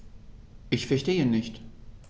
Ich verstehe nicht.